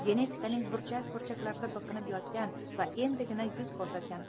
genetikaning burchak burchaklarida biqinib yotgan va endigina yuz ko'rsatgan